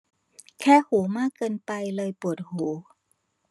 แคะหูมากเกินไปเลยปวดหู